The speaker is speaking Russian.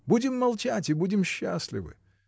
Будем молчать и будем счастливы.